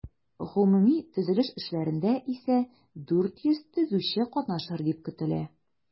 Гомуми төзелеш эшләрендә исә 400 төзүче катнашыр дип көтелә.